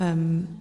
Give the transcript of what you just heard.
help yym